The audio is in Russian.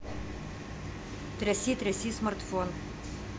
тряси тряси смартфон